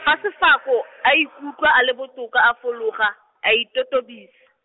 fa Sefako, a ikutlwa a le botoka a fologa, a itotobisa.